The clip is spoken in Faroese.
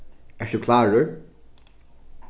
ert tú klárur